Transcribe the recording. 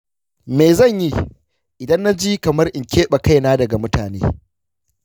me zan yi idan na ji kamar in keɓe kaina daga mutane?